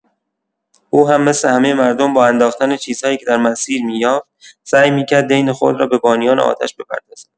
او هم مثل همه مردم، با انداختن چیزهایی که در مسیر می‌یافت، سعی می‌کرد دین خود را به بانیان آتش بپردازد.